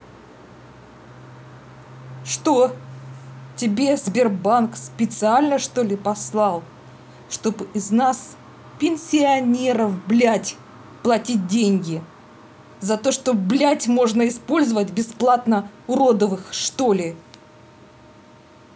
что тебе сбербанк специально что ли послал чтобы из нас пенсионеров блять платить деньги за то что блядь можно использовать бесплатно уродовых что ли